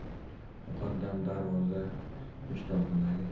muqaddam darvoza peshtoqidagi